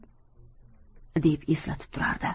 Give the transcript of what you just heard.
deb eslatib turardi